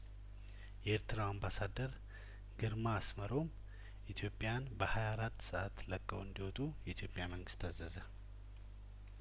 የኤርትራው አምባሳደር ግርማ አስመሮም ኢትዮጵያን በሀያአራት ሰአት ለቀው እንዲወጡ የኢትዮጵያ መንግስት አዘዘ